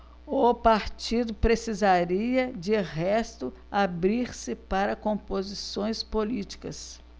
o partido precisaria de resto abrir-se para composições políticas